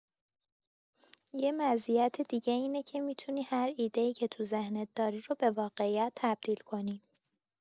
یه مزیت دیگه اینه که می‌تونی هر ایده‌ای که تو ذهنت داری رو به واقعیت تبدیل کنی.